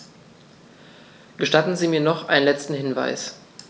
Gestatten Sie mir noch einen letzten Hinweis.